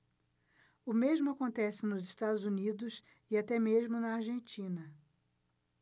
o mesmo acontece nos estados unidos e até mesmo na argentina